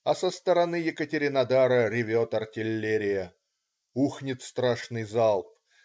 А со стороны Екатеринодара ревет артиллерия. Ухнет страшный залп.